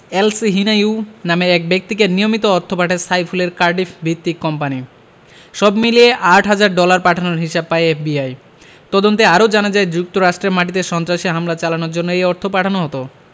এলসহিনাইউ নামের এক ব্যক্তিকে নিয়মিত অর্থ পাঠায় সাইফুলের কার্ডিফভিত্তিক কোম্পানি সব মিলিয়ে আট হাজার ডলার পাঠানোর হিসাব পায় এফবিআই তদন্তে আরও জানা যায় যুক্তরাষ্ট্রের মাটিতে সন্ত্রাসী হামলা চালানোর জন্য এই অর্থ পাঠানো হতো